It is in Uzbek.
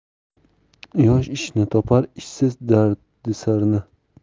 yosh ishni topar ishsiz dardisarni